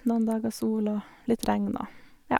Noen dager sol, og litt regn og, ja.